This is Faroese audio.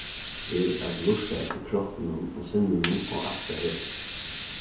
er at lurta eftir kroppinum og sinninum og akta hesi